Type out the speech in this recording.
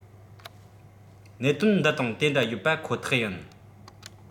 གནད དོན འདི དང དེ འདྲ ཡོད པ ཁོ ཐག ཡིན